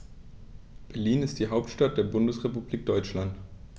Berlin ist die Hauptstadt der Bundesrepublik Deutschland.